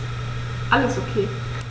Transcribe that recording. Alles OK.